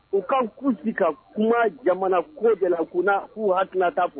U ka kuu sigi ka kuma jamana ko de kun'u hata kuwa